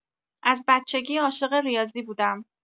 از بچگی عاشق ریاضی بودم